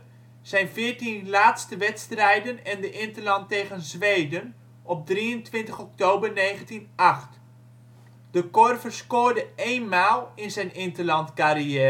laatste wedstrijden en de interland tegen Zweden op 23 oktober 1908. De Korver scoorde éénmaal in zijn interlandcarrière